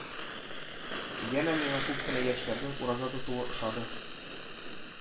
Янә миңа күп кенә яшьләрнең ураза тотуы ошады